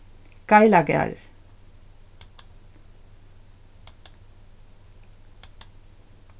geilagarður